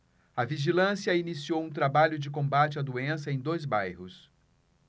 a vigilância iniciou um trabalho de combate à doença em dois bairros